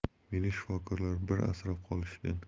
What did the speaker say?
meni shifokorlar bir asrab qolishgan